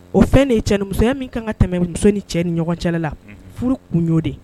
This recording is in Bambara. O fɛn de ye cɛnimusoya min ka kan ka tɛmɛn muso ni cɛ ni ɲɔgɔncɛ la, unhun , furu kun y'o de ye.